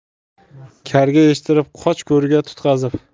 karga eshittirib qoch ko'rga tutqazib